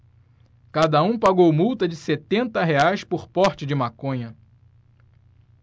cada um pagou multa de setenta reais por porte de maconha